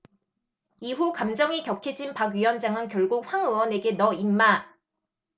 이후 감정이 격해진 박 위원장은 결국 황 의원에게 너 임마